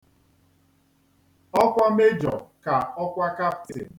Ọkwa mejọ kà ọkwa kaptịn.